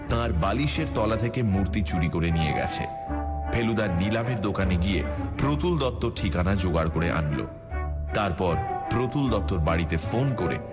তার বালিশের তলা থেকে মুর্তি চুরি করে নিয়ে গেছে ফেলুদা নিলামের দোকানে গিয়ে প্রতুল দত্তর ঠিকানা জোগাড় করে আনল তারপর প্রতুল দত্তর বাড়িতে ফোন করে